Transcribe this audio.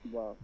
waaw